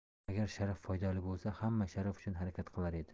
agar sharaf foydali bo'lsa hamma sharaf uchun harakat qilar edi